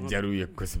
Jaw ye gosi